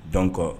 Dɔn kɔ